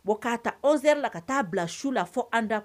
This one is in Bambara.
Bɔn'a taa anwɛri la ka taa bila su la fɔ an da